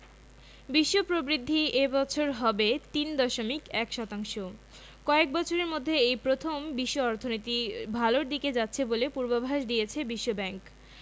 বিশ্ব প্রবৃদ্ধি এ বছর হবে ৩.১ শতাংশ কয়েক বছরের মধ্যে এই প্রথম বিশ্ব অর্থনীতি ভালোর দিকে যাচ্ছে বলে পূর্বাভাস দিয়েছে বিশ্বব্যাংক